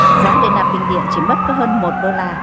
giá để nạp bình điện chỉ mất có hơn một đô la